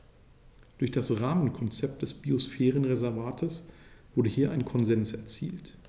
Durch das Rahmenkonzept des Biosphärenreservates wurde hier ein Konsens erzielt.